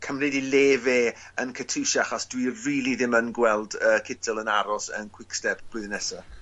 cymryd 'i le fe yn Katusha achos dwi rili ddim yn gweld yy Kittel yn aros yn Quickstep blwyddyn nesa.